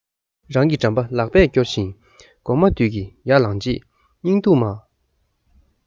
རང གི འགྲམ པ ལག པས སྐྱོར བཞིན གོག མ དུད ཀྱིས ཡར ལངས རྗེས སྙིང སྡུག མ